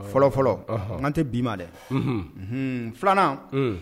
Fɔlɔ fɔlɔ n'an tɛ bi ma dɛ filanan